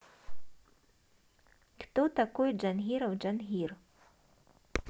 кто такой джангиров джангир